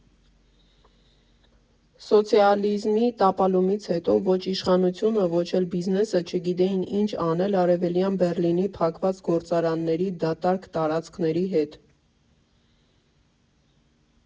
Սոցիալիզմի տապալումից հետո ո՛չ իշխանությունը, ո՛չ էլ բիզնեսը չգիտեին ինչ անել Արևելյան Բեռլինի փակված գործարանների դատարկ տարածքների հետ։